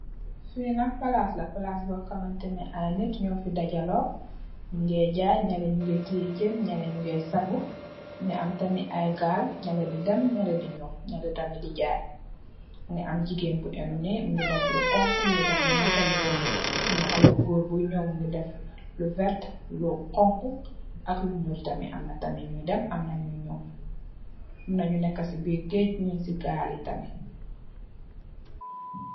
Fii nak, palaas la, palaas boo xam ne ,ay nit ñoo fi dajaloo. Ñu ngee jaay, ñalee ñu ngee tiye jën, ñee ñu ngee sangu. Ñu amee tamit gaal, ñale di dem, ñale di ñëw, ñële tamit di jaay. Mu ngi am jigéen bu ennu...mu def lu xoñgu, lu nétté..am na xalé bu goor, mu ngi def lu werta, lu xoñgu, ak lu ñuul tamit. Am na ñuy dem an ñuy ñaw ramit, am ñu nekkë si gëëge gi, am na ñu nekkë si gaal gi tamit.